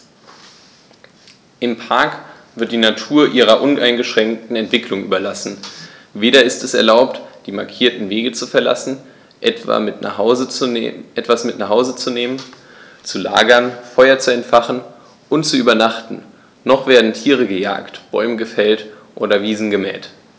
Im Park wird die Natur ihrer uneingeschränkten Entwicklung überlassen; weder ist es erlaubt, die markierten Wege zu verlassen, etwas mit nach Hause zu nehmen, zu lagern, Feuer zu entfachen und zu übernachten, noch werden Tiere gejagt, Bäume gefällt oder Wiesen gemäht.